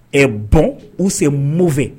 Est bon ou c'est mauvais